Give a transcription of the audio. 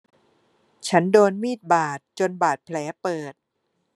ฉันโดนมีดบาดจนบาดแผลเปิด